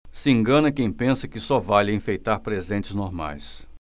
se engana quem pensa que só vale enfeitar presentes normais